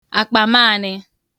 àkpàmaànị